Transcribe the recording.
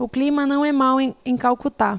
o clima não é mau em em calcutá